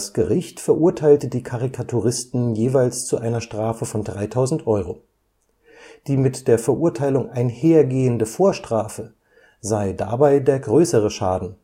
Gericht verurteilte die Karikaturisten jeweils zu einer Strafe von 3000 Euro. Die mit der Verurteilung einhergehende Vorstrafe sei dabei der größere Schaden